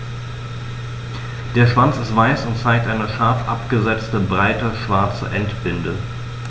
Der Schwanz ist weiß und zeigt eine scharf abgesetzte, breite schwarze Endbinde.